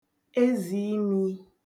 ezìimī